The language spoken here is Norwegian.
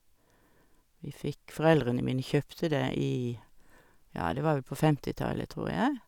vi fikk Foreldrene mine kjøpte det i, ja, det var vel på femtitallet, tror jeg.